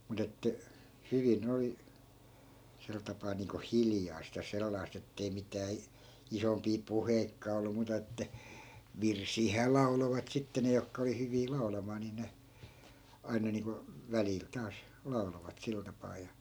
mutta että hyvin oli sen tapaa niin kuin hiljaista ja sellaista että ei mitään - isompia puheitakaan ollut muuta että virsiähän lauloivat sitten ne jotka oli hyviä laulamaan niin ne aina niin kuin välillä taas lauloivat sillä tapaa ja